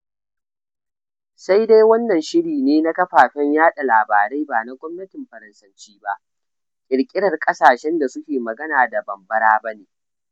Sai dai wannan shiri ne na kafafen yaɗa labarai bana gwamnatin Faransanci ba, ƙirƙirar ƙasashen da suke magana da Bambara ba ne.